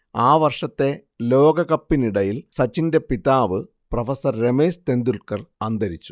ആ വർഷത്തെ ലോകകപ്പിനിടയിൽ സച്ചിന്റെ പിതാവ് പ്രൊഫസർ രമേശ് തെൻഡുൽക്കർ അന്തരിച്ചു